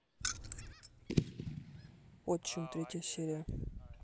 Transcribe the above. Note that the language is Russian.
отчим третья серия